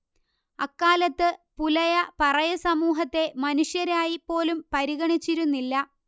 അക്കാലത്ത് പുലയപറയ സമൂഹത്തെ മനുഷ്യരായി പോലും പരിഗണിച്ചിരുന്നില്ല